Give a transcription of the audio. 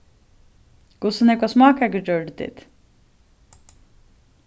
hvussu nógvar smákakur gjørdu tit